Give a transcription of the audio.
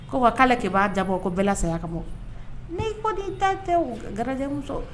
Ko wa ko k b'a jabɔ ko bɛɛla saya ka ne ko n ta tɛ garimuso